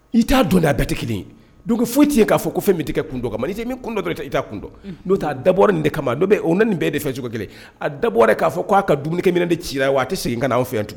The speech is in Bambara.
I t'a dɔn a bɛɛ tɛ kelen ye donc foyi tɛ yen fɔ ko fɛn min tɛ kɛ kun tɛ min kun dɔ i kun n'o dabɔ nin de kama o ne nin bɛɛ de fɛ cogo kelen a dabɔɔr k'a fɔ k'a ka dumunikɛ minɛ de ci la wa a tɛ segin ka na' anw fɛ yan tugun.